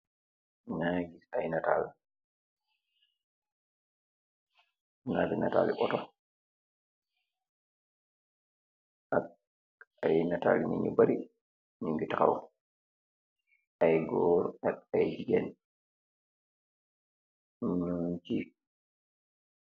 Magi giss aye natal , nyari natali outor ak aye natal lee neet yu bary nugi tahaw aye goor ak aye jegain nugi.